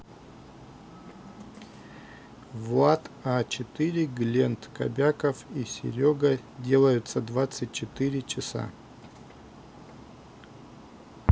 влад а четыре глент кобяков и серега делаются двадцать четыре часа